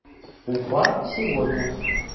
уфа сегодня